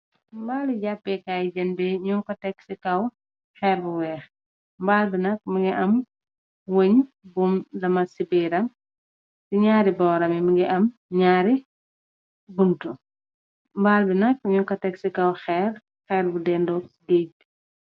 Mbaali jàppeekaay jënbe ñu ko teg ci kaw xeer bu weex mbaal bi nak mangi am wuñ buum dama sibieram ci ñaari boorami mangi am ñaari buntu mbaalbi nak ñu ko teg ci kaw xeer xeer bu dendoo ci deetut ketbi.